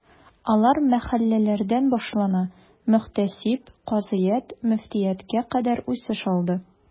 Алар мәхәлләләрдән башлана, мөхтәсиб, казыят, мөфтияткә кадәр үсеш алды.